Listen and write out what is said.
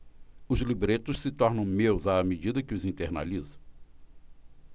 os libretos se tornam meus à medida que os internalizo